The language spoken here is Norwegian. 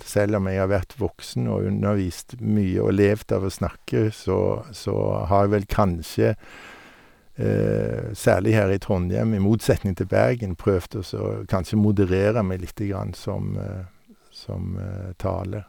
Selv om jeg har vært voksen og undervist mye og levd av å snakke, så så har jeg vel kanskje, særlig her i Trondhjem, i motsetning til Bergen, prøvd å så kanskje moderere meg lite grann som som tale.